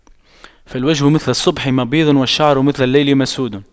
فالوجه مثل الصبح مبيض والشعر مثل الليل مسود